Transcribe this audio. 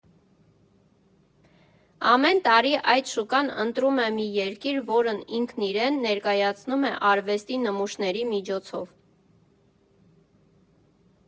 Ամեն տարի այդ շուկան ընտրում է մի երկիր, որն ինքն իրեն ներկայացնում է արվեստի նմուշների միջոցով։